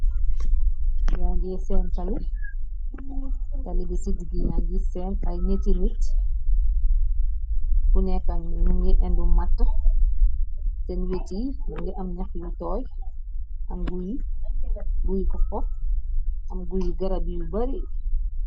Wo nje seentalu tali bi cid gina ngir seenxay niti mit ku nekanni ñu ngi indu matt seen weti ngi am ñex yu tooy abuy ko xo am guyi garab yu bari.